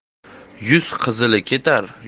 yuz qizili ketar